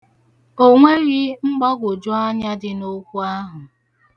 O nweghị mgbagwoju anya dị n'okwu ahụ.